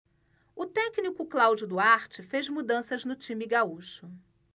o técnico cláudio duarte fez mudanças no time gaúcho